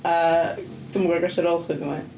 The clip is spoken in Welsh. A dwi'm yn gorfod gwatsiad ar ôl chdi gymaint.